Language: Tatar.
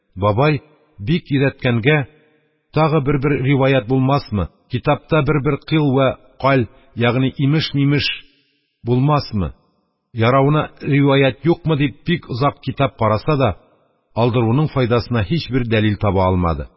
Бабай бик йөдәткәнгә: «Тагы бер-бер ривайәт булмасмы, китапта бер-бер кыйль вә каль, ягъни имеш-мимеш булмасмы, яравына ривайәт юкмы», – дип, бик озак китап караса да, алдыруның файдасына һичбер дәлил таба алмады.